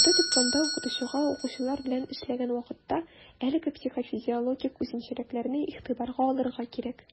Методик планда укытучыга, укучылар белән эшләгән вакытта, әлеге психофизиологик үзенчәлекләрне игътибарга алырга кирәк.